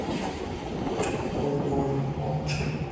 ой ой мамочка